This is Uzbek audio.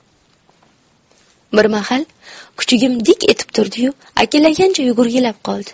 bir mahal kuchugim dik etib turdi yu akillagancha yugurgilab qoldi